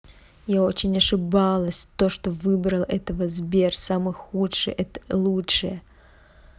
я очень ошибалась то что выбрала этого сбер самый худший это лучшее